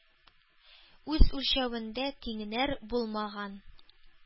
Үз үлчәвендә тиңнәр булмаган.